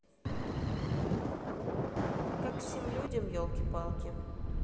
как всем людям елки палки